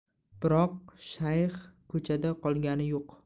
biroq shayx ko'chada qolgani yo'q